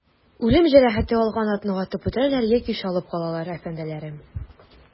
Үлем җәрәхәте алган атны атып үтерәләр яки чалып калалар, әфәнделәрем.